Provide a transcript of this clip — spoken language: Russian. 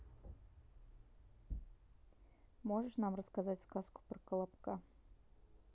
можешь нам рассказать сказку про колобка